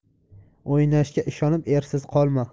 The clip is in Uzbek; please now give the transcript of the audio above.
o'ynashga ishonib ersiz qolma